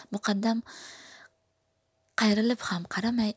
muqaddam qayrilib ham qaramay